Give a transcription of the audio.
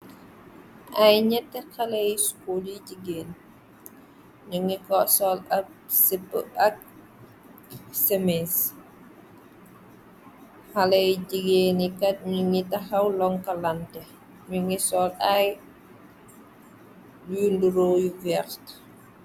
Ay ñyetti xale yi skul yi jigéen ñu ngi xo sool ak shipu ak cimis xale yi jigeenikat ñi ngi taxaw lonka lante ni ngi sol ay yuy nduro yu veerte.